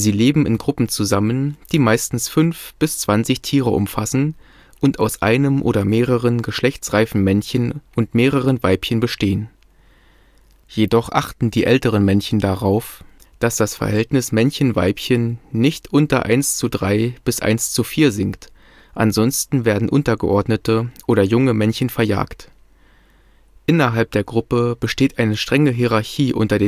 leben in Gruppen zusammen, die meistens fünf bis zwanzig Tiere umfassen und aus einem oder mehreren geschlechtsreifen Männchen und mehreren Weibchen bestehen. Jedoch achten die älteren Männchen, dass das Verhältnis Männchen-Weibchen nicht unter 1:3 bis 1:4 sinkt, ansonst werden untergeordnete oder junge Männchen verjagt. Innerhalb der Gruppe besteht eine strenge Hierarchie unter